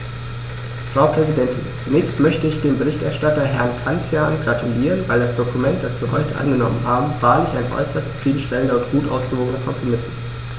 Frau Präsidentin, zunächst möchte ich dem Berichterstatter Herrn Cancian gratulieren, weil das Dokument, das wir heute angenommen haben, wahrlich ein äußerst zufrieden stellender und gut ausgewogener Kompromiss ist.